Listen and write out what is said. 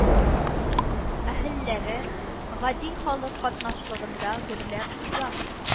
Әһелләре, гади халык катнашлыгында гөрләп уза